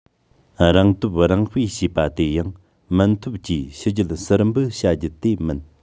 རང སྟོབས རང སྤེལ ཞེས པ དེ ཡང མུན འཐོམས ཀྱིས ཕྱི རྒྱལ ཟུར འབུད བྱ རྒྱུ དེ མིན